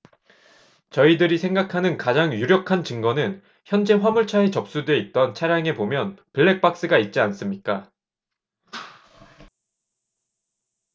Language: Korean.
저희들이 생각하는 가장 유력한 증거는 현재 화물차에 접수돼 있던 차량에 보면 블랙박스가 있지 않습니까